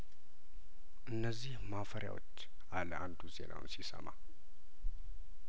እነዚህ ማፈሪያዎች አለአንዱ ዜናውን ሲሰማ